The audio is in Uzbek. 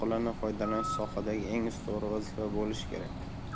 oqilona foydalanish sohadagi eng ustuvor vazifa bo'lishi kerak